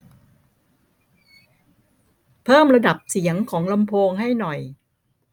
เพิ่มระดับเสียงของลำโพงให้หน่อย